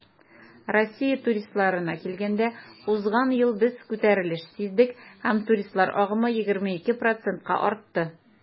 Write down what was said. Россия туристларына килгәндә, узган ел без күтәрелеш сиздек һәм туристлар агымы 22 %-ка артты.